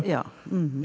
ja ja.